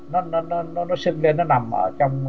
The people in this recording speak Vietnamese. nó nó nó sưng lên nó nằm ở trong